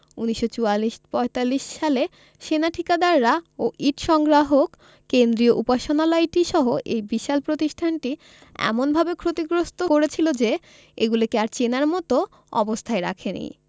১৯৪৪ ৪৫ সালে সেনা ঠিকাদাররা ও ইট সংগ্রাহক কেন্দ্রীয় উপাসনালয়টিসহ এই বিশাল প্রতিষ্ঠানটি এমনভাবে ক্ষতিগ্রস্থ করেছিল যে এগুলিকে আর চেনার মতো অবস্থায় রাখেনি